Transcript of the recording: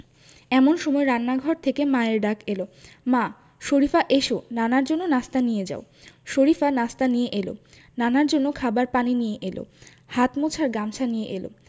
এমন সময় রান্নাঘর থেকে মায়ের ডাক এলো মা শরিফা এসো নানার জন্য নাশতা নিয়ে যাও শরিফা নাশতা নিয়ে এলো নানার জন্য খাবার পানি নিয়ে এলো হাত মোছার গামছা নিয়ে এলো